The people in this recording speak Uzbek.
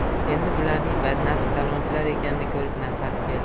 endi bularning badnafs talonchilar ekanini ko'rib nafrati keldi